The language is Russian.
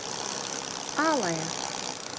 алая